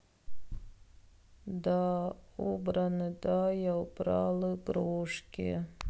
да убраны да я убрал игрушки